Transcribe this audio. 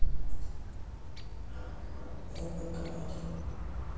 рбк один